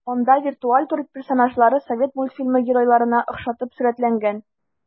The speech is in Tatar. Анда виртуаль тур персонажлары совет мультфильмы геройларына охшатып сурәтләнгән.